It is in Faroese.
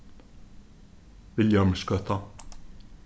viljormsgøta